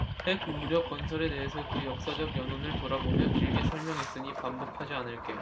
핵무력건설에 대해선 그 역사적 연원을 돌아보며 길게 설명했으니 반복하지 않을게